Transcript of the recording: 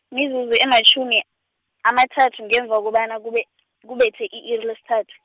mizuzu ematjhumi, amathathu ngemva kobana kube , kubethe i-iri lesithathu.